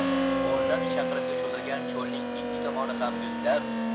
o'nlab chaqirimga cho'zilgan cholning ikki tomoni ham yuzlab